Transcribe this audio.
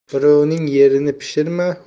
birovning yerini pishirma